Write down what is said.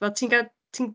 Wel, ti'n gael, ti'n...